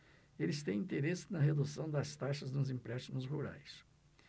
eles têm interesse na redução das taxas nos empréstimos rurais